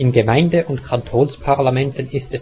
Gemeinde - und Kantonsparlamenten ist